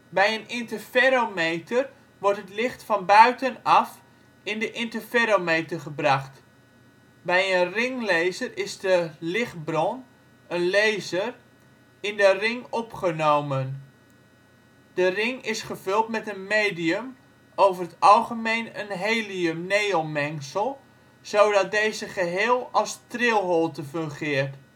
Bij een interferometer wordt het licht van buitenaf in de interferometer gebracht. Bij een ringlaser is de lichtbron, een laser, in de ring opgenomen. De ring is gevuld met een medium, over het algemeen een helium-neon mengsel, zodat deze geheel als trilholte fungeert. Als